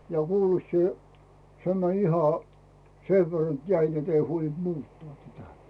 ja kuulet sinä se meni ihan sen verran että jäi että ei huolinut muuttaa tätä